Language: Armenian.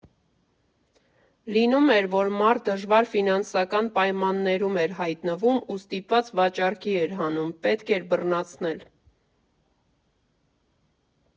Լինում էր, որ մարդ դժվար ֆինանսական պայմաններում էր հայտնվում ու ստիպված վաճառքի էր հանում, պետք էր բռնացնել։